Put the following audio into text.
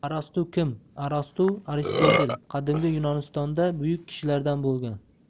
arastu kim arastu aristotel qadimgi yunonistonda buyuk kishilardan bo'lgan